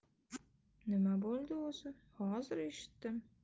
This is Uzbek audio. nima bo'ldi o'zi hozir eshitdim